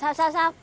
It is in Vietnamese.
sao sao sao